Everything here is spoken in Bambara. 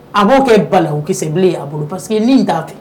A b'o kɛ balala okisɛ a bolo pa que ni t'a to